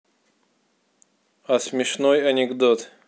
а смешной анекдот